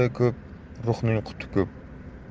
ruhning quti ko'p